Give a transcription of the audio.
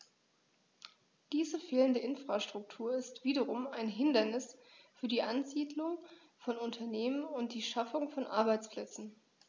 Diese fehlende Infrastruktur ist wiederum ein Hindernis für die Ansiedlung von Unternehmen und die Schaffung von Arbeitsplätzen.